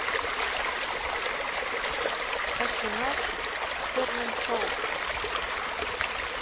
хочу начес с сырным соусом